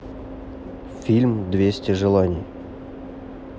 фильм двести желаний